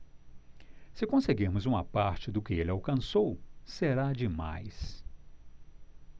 se conseguirmos uma parte do que ele alcançou será demais